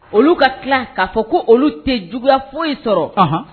Olu ka tila k'a fɔ ko olu tɛ juguya foyi sɔrɔ, ɔnhɔn.